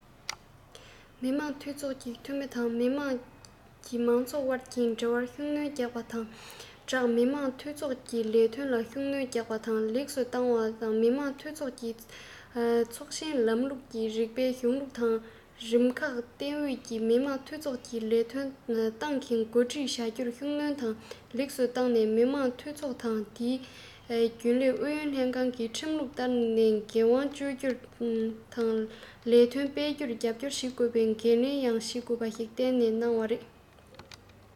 མི དམངས འཐུས ཚོགས ཀྱི འཐུས མི དང མི དམངས མང ཚོགས དབར གྱི འབྲེལ བར ཤུགས སྣོན རྒྱག པ དང སྦྲགས མི དམངས འཐུས ཚོགས ཀྱི ལས དོན ལ ཤུགས སྣོན རྒྱག པ དང ལེགས སུ བཏང ནས མི དམངས འཐུས མི ཚོགས ཆེན ལམ ལུགས ཀྱི རིགས པའི གཞུང ལུགས དང རིམ ཁག ཏང ཨུད ཀྱིས མི དམངས འཐུས ཚོགས ཀྱི ལས དོན ལ ཏང གིས འགོ ཁྲིད བྱ རྒྱུར ཤུགས སྣོན དང ལེགས སུ བཏང ནས མི དམངས འཐུས ཚོགས དང དེའི རྒྱུན ལས ཨུ ཡོན ལྷན ཁང གིས ཁྲིམས ལུགས ལྟར འགན དབང སྤྱོད རྒྱུ དང ལས དོན སྤེལ རྒྱུར རྒྱབ སྐྱོར བྱེད དགོས ལ འགན ལེན ཡང བྱེད དགོས ཞེས བསྟན གནང བ རེད